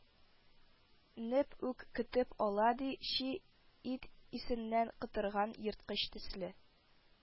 Неп үк көтеп ала да, чи ит исеннән котырган ерткыч төсле